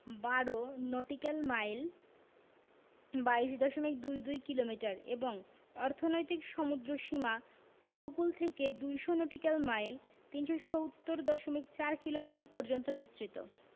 ১২ nautical mile ২২ দশমিক দুই দুই কিলোমিটার এবং অর্থনৈতিক সমুদ্রসীমা উপকূল থেকে ২০০ নটিক্যাল মাইল ৩৭০ দশমিক ৪ কিলোমিটার পর্যন্ত বিস্তৃত